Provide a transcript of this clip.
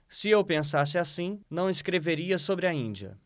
se eu pensasse assim não escreveria sobre a índia